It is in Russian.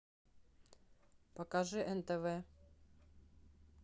покажи тнв